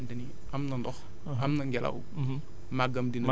te yaakaar naa gàncax moom bu nekkee fu nga xamante ni am na ndox